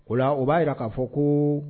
O la, o b'a jira k'a fɔ ko